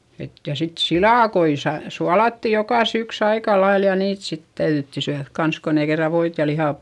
että ja sitten silakoita - suolattiin joka syksy aika lailla ja niitä sitten täydyttiin syödä kanssa kun ei kerran voita ja lihaa